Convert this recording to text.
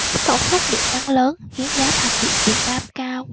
tổn thất điện năng lớn khiến giá thành điện việt nam cao